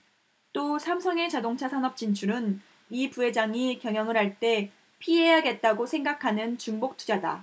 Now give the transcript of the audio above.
또 삼성의 자동차 산업 진출은 이 부회장이 경영을 할 때 피해야겠다고 생각하는 중복 투자다